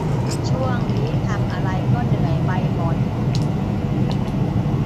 ช่วงนี้ทำอะไรก็เหนื่อยไปหมด